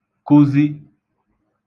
kụzi